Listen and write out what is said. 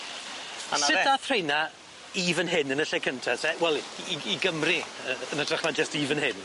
A 'na fe. Sut dath rheina i fyn hyn yn y lle cynta te? Wel i i Gymru yy yn ytrach na jyst i fyn hyn.